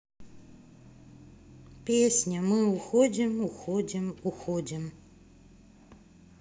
песня мы уходим уходим уходим